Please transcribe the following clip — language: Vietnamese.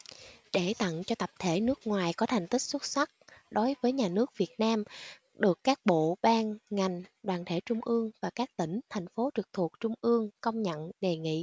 để tặng cho tập thể nước ngoài có thành tích xuất sắc đối với nhà nước việt nam được các bộ ban ngành đoàn thể trung ương và các tỉnh thành phố trực thuộc trung ương công nhận đề nghị